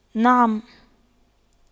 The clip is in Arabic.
نعم